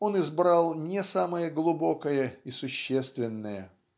он избрал не самое глубокое и существенное.